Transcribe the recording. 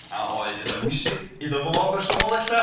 A oedd yn bwysig iddo fo yn bersonol ella?